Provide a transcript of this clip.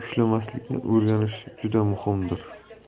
ushlamaslikni o'rganish juda muhimdir